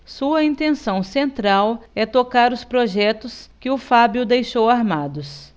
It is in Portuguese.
sua intenção central é tocar os projetos que o fábio deixou armados